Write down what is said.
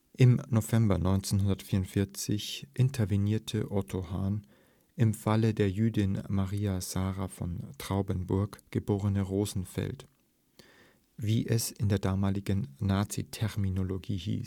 Im November 1944 intervenierte Otto Hahn „ im Falle der Jüdin Maria Sara von Traubenberg, geborene Rosenfeld “, wie es in der damaligen Nazi-Terminologie